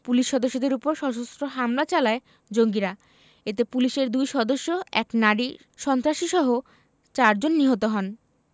police সদস্যদের ওপর সশস্ত্র হামলা চালায় জঙ্গিরা এতে পুলিশের দুই সদস্য এক নারী সন্ত্রাসীসহ চারজন নিহত হন